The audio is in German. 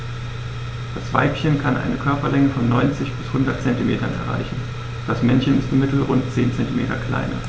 Das Weibchen kann eine Körperlänge von 90-100 cm erreichen; das Männchen ist im Mittel rund 10 cm kleiner.